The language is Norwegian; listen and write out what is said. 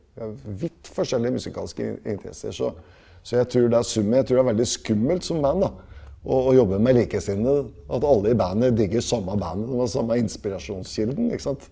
vi har vidt forskjellige musikalske interesser, så så jeg trur det er jeg trur det er veldig skummelt som band da å å jobbe med likesinnede, at alle i bandet digger samme band har samme inspirasjonskilden ikke sant.